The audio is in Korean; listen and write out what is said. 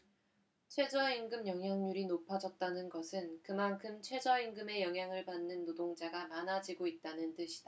최저임금 영향률이 높아졌다는 것은 그만큼 최저임금의 영향을 받는 노동자가 많아지고 있다는 뜻이다